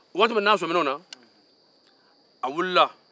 waati min n'a sɔmin'o la a wulila